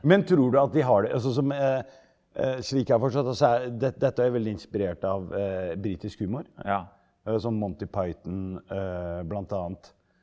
men tror du at de har det altså som slik jeg har fortsatt altså er dette er jo veldig inspirert av britisk humor som Monty Python blant annet.